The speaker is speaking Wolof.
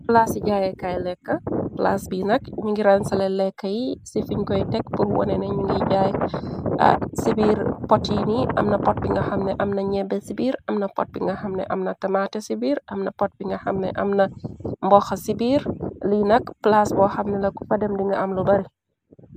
Palaa ci jaayekaay lekk palas bi nak ñi ngiran sale lekka yi ci fiñ koy tekk pur wone nañu ngiy jaay ci biir pot yin yi amna pot bi nga xamne am na ñebbe ci biir amna pot bi nga xamne amna tamaate ci biir amna pot bi nga xamne am na mboxa ci biir li nakk plaas bo xamne la ku fa dem dinga am lu bari.